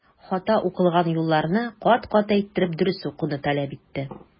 Хата укылган юлларны кат-кат әйттереп, дөрес укуны таләп итте.